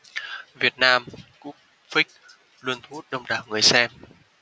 vietnam cub prix luôn thu hút đông đảo người xem